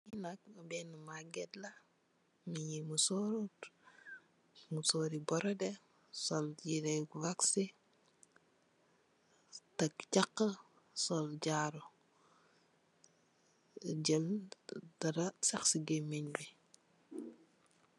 Kee nak bena maget la munuy musorut musore brodeh sol yere waxse take chahu sol jaaru jel dara seh se gemeng be.